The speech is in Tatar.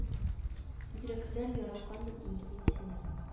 Бигрәкләр яратканмын инде мин сине